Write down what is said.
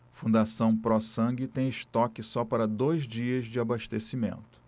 fundação pró sangue tem estoque só para dois dias de abastecimento